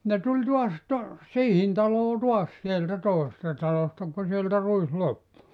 ne tuli taas - siihen taloon taas sieltä toisesta talosta kun sieltä ruis loppui